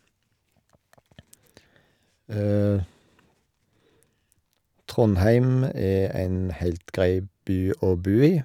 Trondheim er en helt grei by å bo i.